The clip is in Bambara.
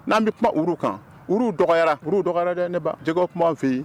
N'an bɛ kuma olu kan olu dɔgɔyara dɔgɔ ne jɛgɛ kuma fɛ yen